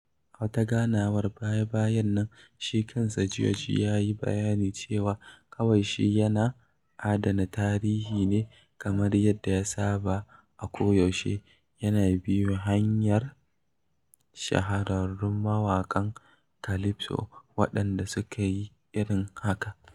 A wata ganawar baya-bayan nan, shi kansa George ya yi bayanin cewa kawai shi yana "adana tarihi" ne kamar yadda ya saba "a koyaushe" yana biyo hanyar shahararrun mawaƙan calypso waɗanda suka yi irin hakan.